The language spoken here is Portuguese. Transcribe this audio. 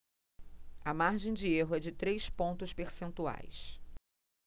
a margem de erro é de três pontos percentuais